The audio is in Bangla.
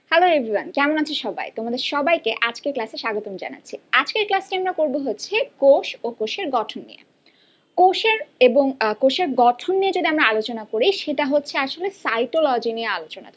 হ্যালো এভরিওয়ান কেমন আছো সবাই তোমাদের সবাইকে আছে ক্লাসে স্বাগতম জানাচ্ছি আজকে ক্লাস টি আমরা করবো হচ্ছে কোষ ও কোষের গঠন নিয়ে কোষের এবং কোষের গঠন নিয়ে যদি আমরা আলোচনা করি সেটা হচ্ছে আসলে সাইটোলজি নিয়ে আলোচনা